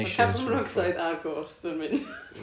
ma'r carbon monoxide a'r ghost yn mynd